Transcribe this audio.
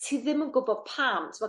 ti ddim yn gwbo pam t'mo'...